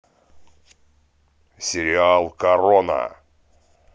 сериал корона